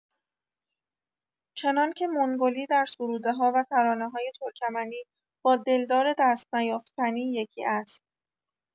چنانکه منگلی در سروده‌ها و ترانه‌های ترکمنی با دلدار دست‌نیافتنی یکی است.